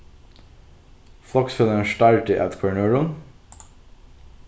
floksfelagarnir stardu at hvørjum øðrum